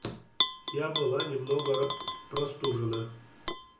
я была немного простужена